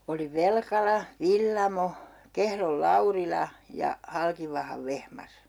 oli Velkala Villamo Kehron Laurila ja Halkivahan Vehmas